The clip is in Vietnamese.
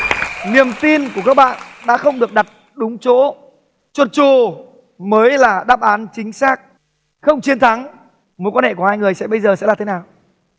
niềm tin của các bạn đã không được đặt đúng chỗ chuột trù mới là đáp án chính xác không chiến thắng mối quan hệ của hai người sẽ bây giờ sẽ là thế nào